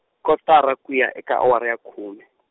kotara ku ya eka awara ya khume .